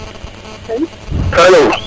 alo